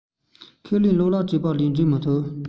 ཁས ལེན གློག ཀླད བྲིས པ ལས འབྲི མི ཐུབ